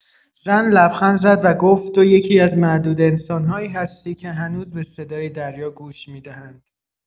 زن لبخند زد و گفت: «تو یکی‌از معدود انسان‌هایی هستی که هنوز به صدای دریا گوش می‌دهند.»